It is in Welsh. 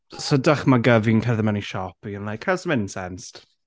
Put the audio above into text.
So dychmyga fi'n cerdded mewn i siop "Can I have some incensed?"